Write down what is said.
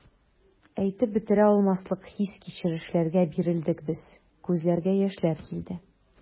Әйтеп бетерә алмаслык хис-кичерешләргә бирелдек без, күзләргә яшьләр килде.